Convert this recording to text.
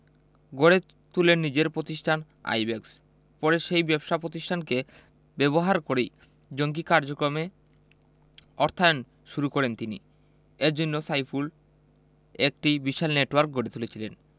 গড়ে তোলেন নিজের প্রতিষ্ঠান আইব্যাকস পরে সেই ব্যবসা প্রতিষ্ঠানকে ব্যবহার করেই জঙ্গি কার্যক্রমে অর্থায়ন শুরু করেন তিনি এ জন্য সাইফুল একটি বিশাল নেটওয়ার্ক গড়ে তুলেছিলেন